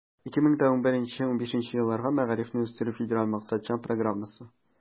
2011 - 2015 елларга мәгарифне үстерү федераль максатчан программасы.